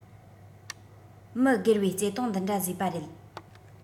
མི སྒེར བའི བརྩེ དུང འདི འདྲ བཟོས པ རེད